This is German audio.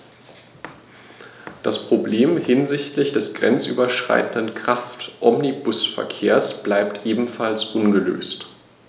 Das Problem hinsichtlich des grenzüberschreitenden Kraftomnibusverkehrs bleibt ebenfalls ungelöst.